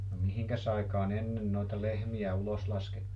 no mihinkäs aikaan ennen noita lehmiä ulos laskettiin